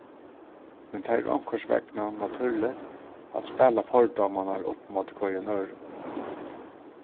men tað er onkursvegna natúrligt at spæla fordómarnar upp móti hvørjum øðrum